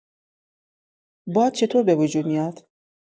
باد چطور به‌وجود میاد؟